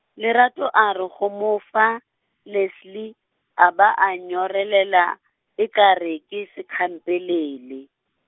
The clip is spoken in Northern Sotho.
Lerato a re go mo fa, Leslie, a ba a nyorelela, e kgare ke sekhampelele.